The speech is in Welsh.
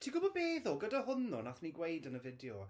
Ti'n gwybod be ddo, gyda hwn ddo, wnaethon ni gweud yn y fideo...